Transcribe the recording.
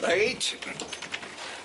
Reit.